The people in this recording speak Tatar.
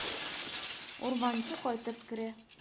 Урманчы кайтып керә.